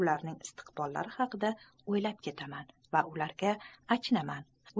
ularning istiqbollari haqida o'ylab ketaman va ularga achinaman